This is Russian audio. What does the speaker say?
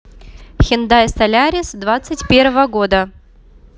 hyundai solaris двадцать первого года